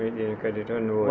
famille ji ?i kadi toon ne woodi